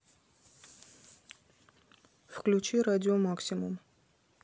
включи радио максимум